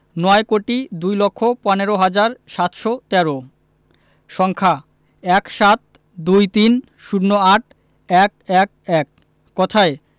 নয় কোটি দুই লক্ষ পনেরো হাজার সাতশো তেরো সংখ্যাঃ ১৭ ২৩ ০৮ ১১১ কথায়ঃ